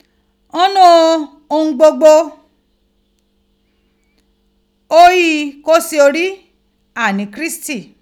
N nu u hun gbogbo, Oghi ko se ori, ani Kirisiti.